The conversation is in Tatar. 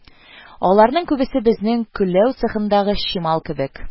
Аларның күбесе безнең көлләү цехындагы чимал кебек